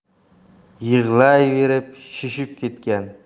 yig'layverib shishib ketgan